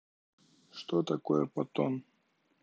что такое потон